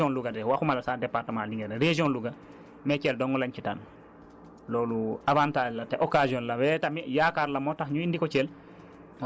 rawatina nag boo xoolee communes yi nekk ci région Louga de waxuma la sax département Linguère région Louga mais Thiel dong lañ ci tànn loolu avantage la te occasion la